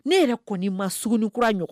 Ne yɛrɛ kɔni ma suguni kura ɲɔgɔn